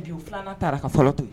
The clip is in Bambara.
Filanan taara ka fɔlɔ to